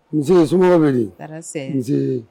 Nci sumaworo bɛ nci